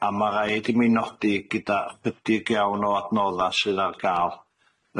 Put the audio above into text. a ma' raid i mi nodi gyda chydyg iawn o adnodda' sydd ar ga'l.